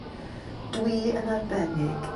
Dwi yn arbennig